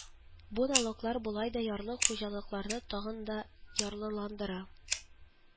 Бу налоглар болай да ярлы хуҗалыкларны тагын да ярлыландыра